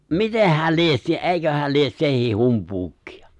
mitenhän lie se eiköhän lie sekin humpuukia